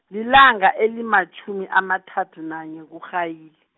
lilanga elimatjhumi amathathu nanye kuMrhayili.